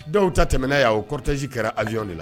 Dɔw ta tɛmɛna yan o cortège kɛra avion de la